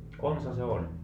konsa se oli